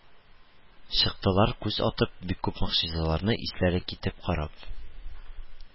Чыктылар, күз атып, бик күп могҗизаларны исләре китеп карап